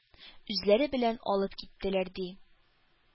Үзләре белән алып киттеләр, ди,